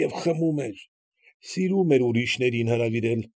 Եվ խմում էր. սիրում էր ուրիշներին հրավիրել։